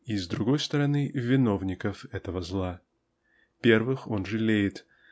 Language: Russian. и с другой стороны -- виновников этого зла. Первых он жалеет